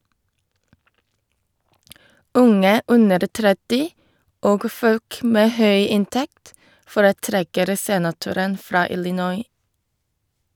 Unge under 30 og folk med høy inntekt foretrekker senatoren fra Illinois.